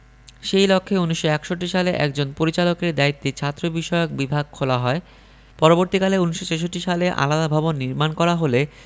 সেই লক্ষ্যে ১৯৬১ সালে একজন পরিচালকের দায়িত্বে ছাত্রবিষয়ক বিভাগ খোলা হয় পরবর্তীকালে ১৯৬৬ সালে আলাদা ভবন নির্মাণ করা হলে